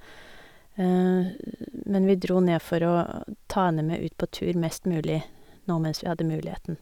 Men vi dro ned for å ta henne med ut på tur mest mulig nå mens vi hadde muligheten.